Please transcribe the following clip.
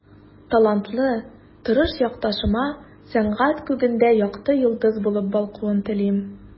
Талантлы, тырыш якташыма сәнгать күгендә якты йолдыз булып балкуын телим.